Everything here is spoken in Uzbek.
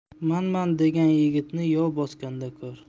manman degan yigitni yov bosganda ko'r